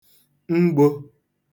mgbō